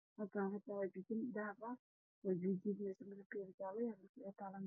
Halkaan waxaa taalo jijin dahab ah oo jiijiidmayso oo jaale ah.